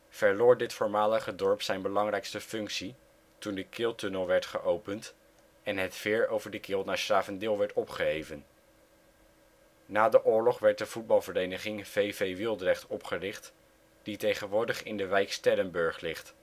verloor dit voormalige dorp zijn belangrijkste functie toen de Kiltunnel werd geopend en het veer over de Kil naar ' s-Gravendeel werd opgeheven. Na de oorlog werd de Voetbalvereniging vv Wieldrecht opgericht, die tegenwoordig in de wijk Sterrenburg ligt